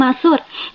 ma soeur